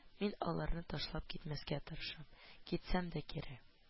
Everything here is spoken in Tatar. Мин аларны ташлап китмәскә тырышам, китсәм дә, кире